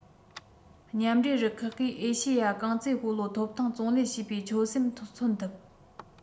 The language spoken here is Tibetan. མཉམ འབྲེལ རུ ཁག གིས ཨེ ཤེ ཡ རྐང རྩེད སྤོ ལོ ཐོབ ཐང བརྩོན ལེན བྱེད པའི ཆོད སེམས མཚོན ཐུབ